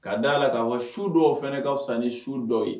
Ka d da a la k' fɔ su dɔ o fana ka san ni su dɔ ye